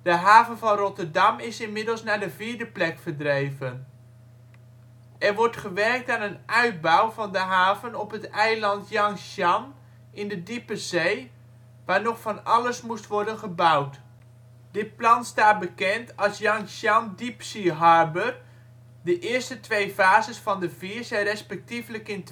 haven van Rotterdam is inmiddels naar de vierde plek verdreven. Er wordt gewerkt aan een uitbouw van de haven op het eiland Yangshan in de diepe zee, waar nog van alles moest worden gebouwd. Dit plan staat bekend als Yangshan Deep Sea Harbour, de eerste twee fases (van de vier) zijn respectievelijk in